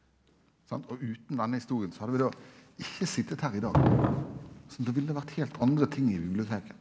sant og utan denne historia så hadde vi då ikkje sete her i dag så då ville det vore heilt andre ting i biblioteket.